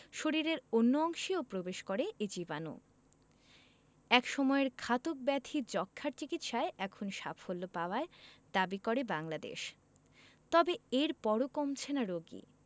শরীরের অন্য অংশেও প্রবেশ করে এ জীবাণু একসময়ের ঘাতক ব্যাধি যক্ষ্মার চিকিৎসায় এখন সাফল্য পাওয়ার দাবি করে বাংলাদেশ তবে এরপরও কমছে না রোগী